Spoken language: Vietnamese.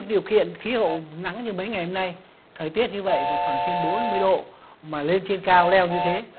điều kiện khí hậu nắng như mấy ngày hôm nay thời tiết như vậy vào khoảng trên bốn mươi độ mà lên trên cao leo như thế